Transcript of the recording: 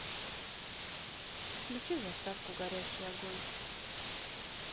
включи заставку горящий огонь